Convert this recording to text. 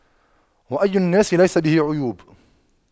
وأي الناس ليس به عيوب